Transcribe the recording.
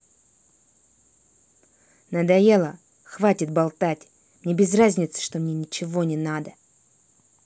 надоело хватит болтать мне без разницы что мне ничего не надо